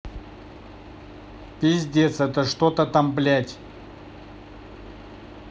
пиздец это что там блядь